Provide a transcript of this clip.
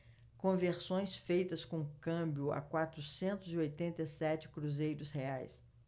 conversões feitas com câmbio a quatrocentos e oitenta e sete cruzeiros reais